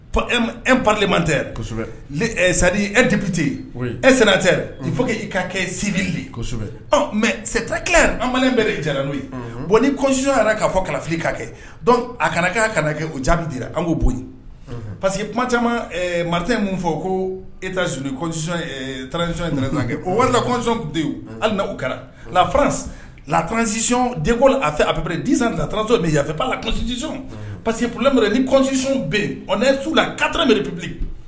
E paleman tɛ sadi e tɛpte e sentɛ fo i ka kɛ sibili kosɛbɛ mɛ sɛti anba bɛ de jara n'o ye bon ni kɔsi yɛrɛ k'a fɔ kalifafili ka kɛ dɔn a kana' ka kɛ o jaabibi dira an' boli parce que kuma caman mari in fɔ ko e sunjata transi o warilasɔn haliina u kɛra laran latransisiɔn deko la apere disan traj ni yaafe' lasisi parce quesi pplɛb nisisi bɛ ne su la kata minɛpbi